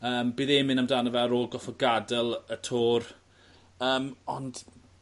Yym bydd e'n myn' amdano fe ar ôl goffod gad'el y Tour. Yym ond...